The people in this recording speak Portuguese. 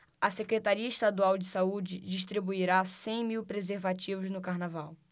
a secretaria estadual de saúde distribuirá cem mil preservativos no carnaval